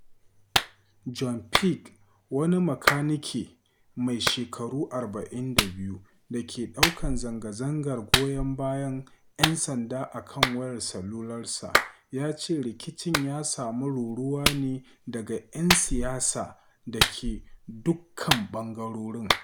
Joan Puig, wani makanike mai shekaru 42 da ke daukan zanga-zangar goyon bayan ‘yan sanda a kan wayar salularsa, ya ce rikicin ya sami ruruwa ne daga ‘yan siyasa da ke dukkan bangarorin.